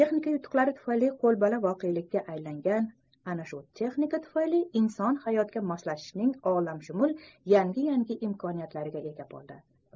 texnika yutuqlari tufayli inson hayotga moslashishning olamshumul yangi yangi imkoniyatlariga ega bo'ldi